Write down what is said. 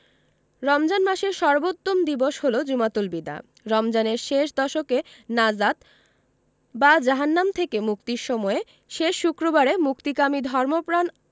রমজান মাসের সর্বোত্তম দিবস হলো জুমাতুল বিদা রমজানের শেষ দশকে নাজাত বা জাহান্নাম থেকে মুক্তির সময়ে শেষ শুক্রবারে মুক্তিকামী ধর্মপ্রাণ